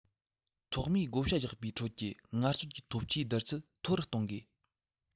ཐོག མའི བགོ བཤའ རྒྱག པའི ཁྲོད ཀྱི ངལ རྩོལ གྱི ཐོབ ཆའི བསྡུར ཚད མཐོ རུ གཏོང དགོས